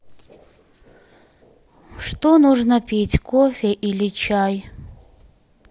что нужно пить кофе или чай